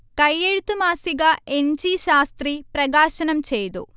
കൈയെഴുത്ത് മാസിക N. G Shastri പ്രകാശനം ചെയ്തു